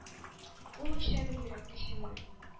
Ул үлчәде йөрәк көчемне.